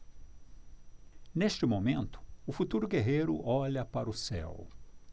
neste momento o futuro guerreiro olha para o céu